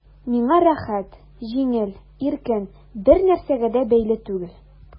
Миңа рәхәт, җиңел, иркен, бернәрсәгә дә бәйле түгел...